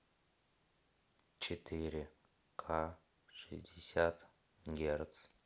четыре к шестьдесят герц